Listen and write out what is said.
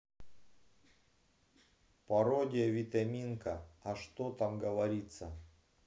пародия витаминка а что там говорится